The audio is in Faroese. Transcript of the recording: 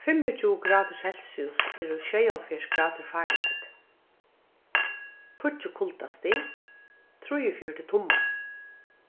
fimmogtjúgu gradir celsius eru sjeyoghálvfjerðs gradir fahrenheit tíggju kuldastig trýogfjøruti tummar